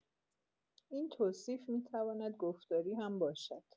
این توصیف می‌تواند گفتاری هم باشد.